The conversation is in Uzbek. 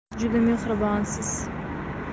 siz juda mehribonsiz